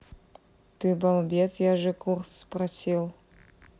ты балбес я же курс спросил